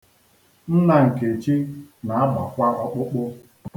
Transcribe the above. Nna Nkechi na-agbakwa ọkpụkpụ.